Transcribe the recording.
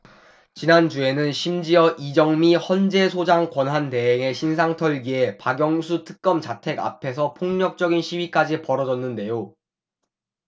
지난주에는 심지어 이정미 헌재소장 권한대행의 신상 털기에 박영수 특검 자택 앞에서 폭력적인 시위까지 벌어졌는데요